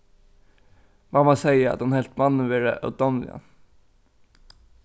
mamma segði at hon helt mannin vera ódámligan